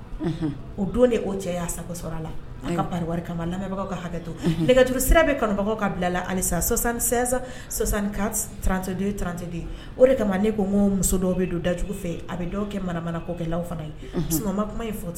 Lamɛnbagaw ka hakɛuru sira bɛ kɔnɔbagaw ka bila alisa sɔsansan sɔsanrandenranteden o de kama ne ko muso dɔw bɛ don dajugu fɛ a bɛ dɔw kɛ maramanakɔlaw fana ye kuma fɔ